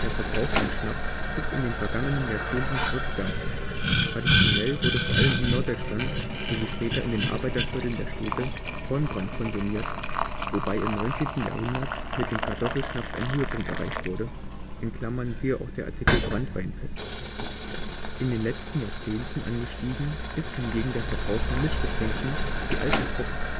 Verbrauch von Schnaps ist in den vergangenen Jahrzehnten zurückgegangen, traditionell wurde vor allem in Norddeutschland sowie später in den Arbeitervierteln der Städte Kornbrand konsumiert, wobei im 19. Jahrhundert mit dem Kartoffelschnaps ein Höhepunkt erreicht wurde (vgl. Branntweinpest). In den letzten Jahrzehnten angestiegen ist hingegen der Verbrauch von Mischgetränken wie Alkopops